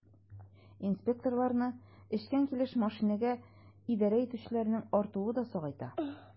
Инспекторларны эчкән килеш машинага идарә итүчеләрнең артуы да сагайта.